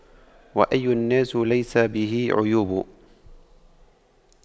وأي الناس ليس به عيوب